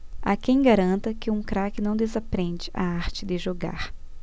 há quem garanta que um craque não desaprende a arte de jogar